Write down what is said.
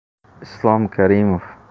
islom karimov